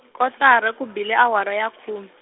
kotara ku bile awara ya khum-.